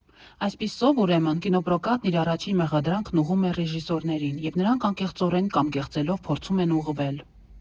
Այսպիսով, ուրեմն, կինոպրոկատն իր առաջին մեղադրանքն ուղղում է ռեժիսորներին, և նրանք, անկեղծորեն, կամ կեղծելով, փորձում են «ուղղվել»։